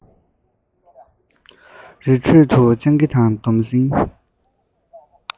རི ཁྲོད དུ སྤྱང ཀི དང དོམ གཟིག